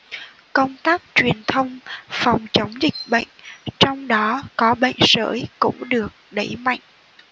công tác truyền thông phòng chống dịch bệnh trong đó có bệnh sởi cũng được đẩy mạnh